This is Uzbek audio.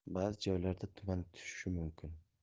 ba'zi joylarga tuman tushishi mumkin